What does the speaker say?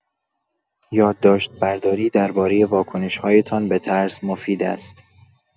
یادداشت‌برداری درباره واکنش‌هایتان به ترس مفید است.